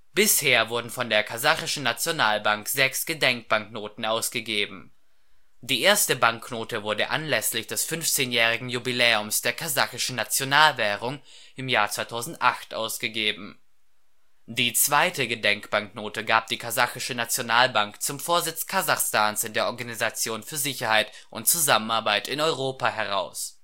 Bisher wurden von der kasachischen Nationalbank sechs Gedenkbanknoten ausgegeben. Die erste Banknote wurde anlässlich des 15-Jährigen Jubiläums der kasachischen Nationalwährung im Jahr 2008 ausgegeben. Die zweite Gedenkbanknote gab die kasachische Nationalbank zum Vorsitz Kasachstans in der Organisation für Sicherheit und Zusammenarbeit in Europa heraus